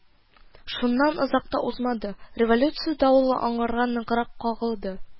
Шуннан озак та узмады, революция давылы аңарга ныграк кагылды